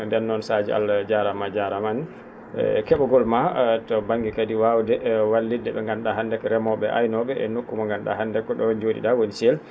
ndeen noon Sadio Allah jaaraama a jaaraama aan ne e ke?ogol maa to ba?nge kadi waawde wallude ?e nganndu?aa hannde ko remoo?e e aynoo?e e nokku mo nganndu?aa hannde ?o joo?i?a woni Thiel